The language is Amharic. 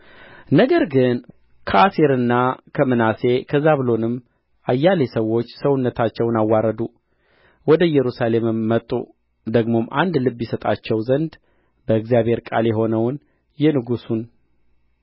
ነገር ግን ከአሴርና ከምናሴ ከዛብሎንም አያሌ ሰዎች ሰውነታቸውን አዋረዱ ወደ ኢየሩሳሌምም መጡ ደግሞም አንድ ልብ ይሰጣቸው ዘንድ በእግዚአብሔርም ቃል የሆነውን የንጉሡን